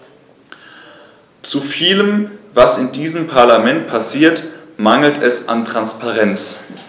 Zu vielem, was in diesem Parlament passiert, mangelt es an Transparenz.